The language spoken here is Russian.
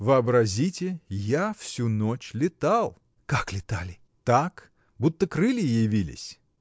— Вообразите, я всю ночь летал. — Как летали? — Так: будто крылья явились.